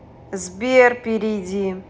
сбер перейди